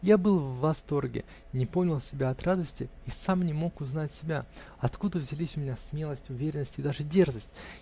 Я был в восторге, не помнил себя от радости и сам не мог узнать себя: откуда взялись у меня смелость, уверенность и даже дерзость?